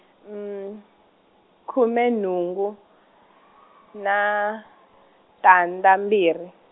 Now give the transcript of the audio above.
khume nhungu, na, tandza mbirhi.